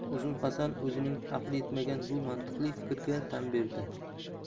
uzun hasan o'zining aqli yetmagan bu mantiqli fikr ga tan berdi